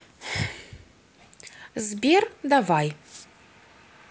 сбер давай